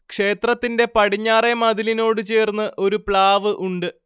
ക്ഷേത്രത്തിന്റെ പടിഞ്ഞാറെ മതിലിനോട് ചേർന്നു ഒരു പ്ലാവ് ഉണ്ട്